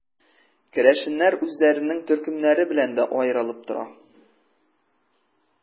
Керәшеннәр үзләренең төркемнәре белән дә аерылып тора.